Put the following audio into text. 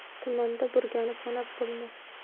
tumanda burgani sanab bo'lmas